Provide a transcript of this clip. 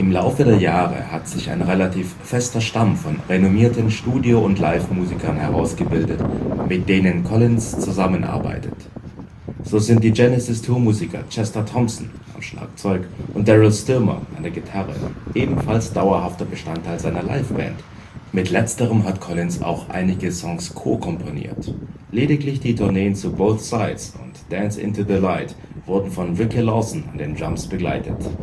Laufe der Jahre hat sich ein relativ fester Stamm von renommierten Studio - und Live-Musikern herausgebildet, mit denen Collins zusammenarbeitet. So sind die Genesis-Tour-Musiker Chester Thompson (Schlagzeug) und Daryl Stuermer (Gitarre) ebenfalls dauerhafter Bestandteil seiner Liveband, mit letzterem hat Collins auch einige Songs co-komponiert. Lediglich die Tourneen zu Both Sides und Dance into the Light wurden von Ricky Lawson an den Drums begleitet